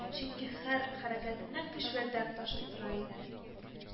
Чөнки һәр хәрәкәтеннән көч вә дәрт ташып тора иде